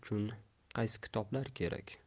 uchun qaysi kitoblar kerak